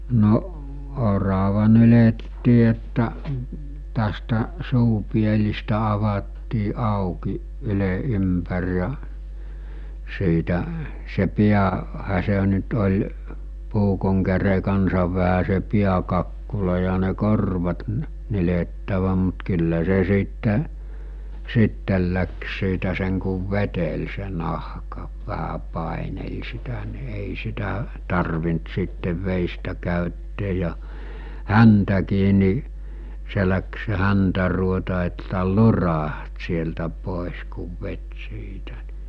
no orava nyljettiin että tästä suupielistä avattiin auki ylen ympäri ja siitä se - päähän se nyt oli puukon kärjen kanssa vähän se pääkakkula ja ne korvat - nyljettävä mutta kyllä se sitten sitten lähti siitä sen kun veteli se nahka vähän paineli sitä niin ei sitä tarvinnut sitten veistä käyttää ja häntäkin niin se lähti se häntäruoto että lurahti sieltä pois kun veti siitä niin